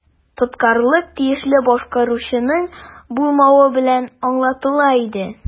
Тоткарлык тиешле башкаручының булмавы белән аңлатыла иде.